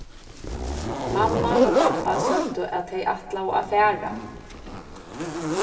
mamma og babba søgdu at tey ætlaðu at fara